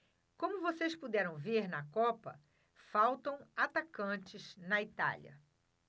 como vocês puderam ver na copa faltam atacantes na itália